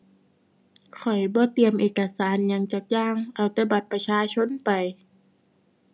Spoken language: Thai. ข้อยบ่เตรียมเอกสารหยังจักอย่าง เอาแต่บัตรประชาชนไป